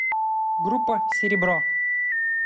группа серебро